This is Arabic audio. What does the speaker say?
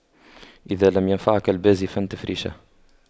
إذا لم ينفعك البازي فانتف ريشه